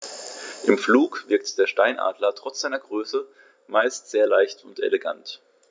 Im Flug wirkt der Steinadler trotz seiner Größe meist sehr leicht und elegant.